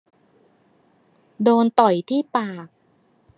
โดนต่อยที่ปาก